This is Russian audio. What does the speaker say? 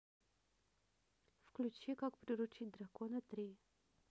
включи как приручить дракона три